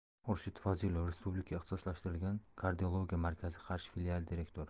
xurshid fozilov respublika ixtisoslashtirilgan kardiologiya markazi qarshi filiali direktori